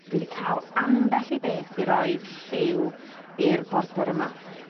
Dwi 'di ca'l ambell i beth i roed lliw i'r border yma.